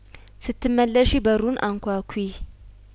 ስትመለሺ በሩን አንኳኲ